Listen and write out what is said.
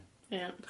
Iawn.